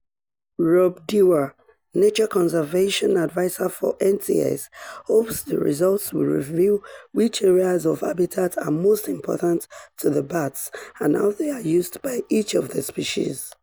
Rob Dewar, nature conservation adviser for NTS, hopes the results will reveal which areas of habitat are most important to the bats and how they are used by each of the species.